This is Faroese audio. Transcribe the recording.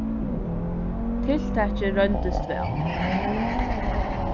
tiltakið royndist væl